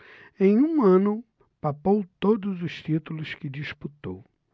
em um ano papou todos os títulos que disputou